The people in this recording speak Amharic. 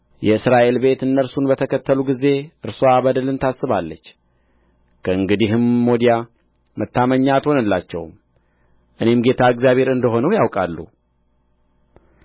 የእስራኤል ቤት እነርሱን በተከተሉ ጊዜ እርስዋ በደልን ታሳስባለች ከእንግዲህም ወዲያ መታመኛ አትሆንላቸውም እኔም ጌታ እግዚአብሔር እንደ ሆንሁ ያውቃሉ